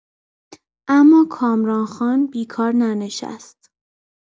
اما کامران‌خان بیکار ننشست.